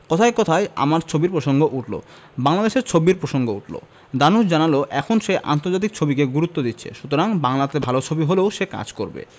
কথায় কথায় আমার ছবির প্রসঙ্গ উঠলো বাংলাদেশের ছবির প্রসঙ্গ উঠলো ধানুশ জানালো এখন সে আন্তর্জাতিক ছবিকে গুরুত্ব দিচ্ছে সুতরাং বাংলাতে ভালো ছবি হলেও সে কাজ করবে